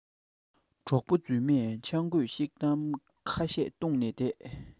གྲོགས པོ རྫུན མས ཆང རྒོད ཤེལ དམ ཁ ཤས བཏུང ནས བསྡད